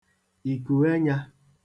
ìkùenyā